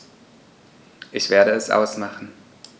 Ich werde es ausmachen